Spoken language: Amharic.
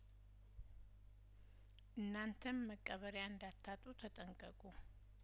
እናንተም መቀበሪያ እንዳታጡ ተጠንቀቁ